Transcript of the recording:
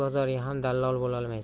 bozoriga ham dallol bo'lolmaysan